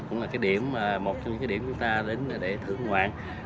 cũng là cái điểm mà một trong những cái điểm chúng ta đến để thưởng ngoạn